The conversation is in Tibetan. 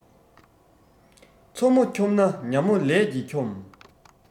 མཚོ མོ འཁྱོམས ན ཉ མོ ལས ཀྱིས འཁྱོམ